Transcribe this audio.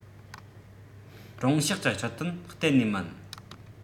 དྲང ཕྱོགས ཀྱི ཁྲིད སྟོན གཏན ནས མིན